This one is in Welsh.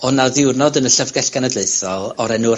o' 'na ddiwrnod yn y Llyfrgell Genedlaethol o'r enw'r...